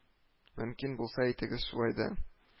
— мөмкин булса, әйтегез шулай да